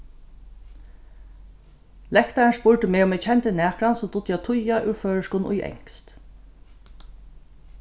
lektarin spurdi meg um eg kendi nakran sum dugdi at týða úr føroyskum í enskt